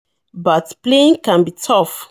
But playing can be tough.